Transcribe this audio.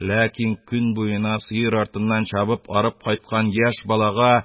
Ләкин көн буена сыер артыннан чабып, арып кайткан яшь балага